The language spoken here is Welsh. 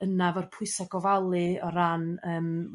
yna 'fo'r pwysa' gofalu o ran yrm